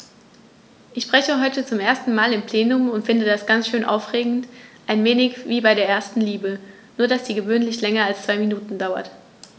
Ich spreche heute zum ersten Mal im Plenum und finde das ganz schön aufregend, ein wenig wie bei der ersten Liebe, nur dass die gewöhnlich länger als zwei Minuten dauert.